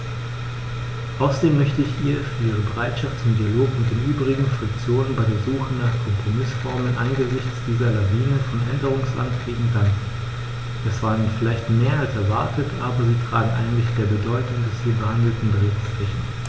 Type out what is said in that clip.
Außerdem möchte ich ihr für ihre Bereitschaft zum Dialog mit den übrigen Fraktionen bei der Suche nach Kompromißformeln angesichts dieser Lawine von Änderungsanträgen danken; es waren vielleicht mehr als erwartet, aber sie tragen eigentlich der Bedeutung des hier behandelten Berichts Rechnung.